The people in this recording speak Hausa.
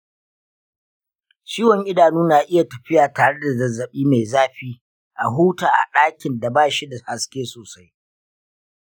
ciwon idanu na iya tafiya tare da zazzaɓi mai zafi; a huta a ɗakin da ba shi da haske sosai.